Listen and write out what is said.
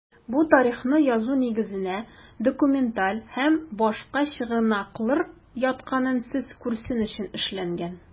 Бу тарихны язу нигезенә документаль һәм башка чыгынаклыр ятканын сез күрсен өчен эшләнгән.